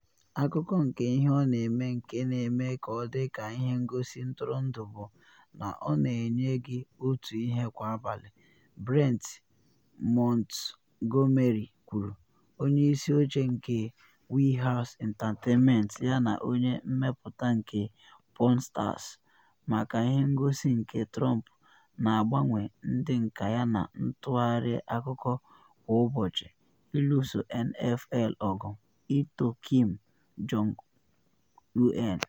“Akụkụ nke ihe ọ na eme nke na eme ka ọ dị ka ihe ngosi ntụrụndụ bụ na ọ na enye gị otu ihe kwa abalị,” Brent Montgomery kwuru, onye isi oche nke Wheelhouse Entertainment yana onye mmepụta nke “Pawn Stars”, maka ihe ngosi nke Trump na agbanwe ndị nka yana ntụgharị akụkọ kwa ụbọchị (iluso N.F.L. ọgụ, ito Kim Jong-un).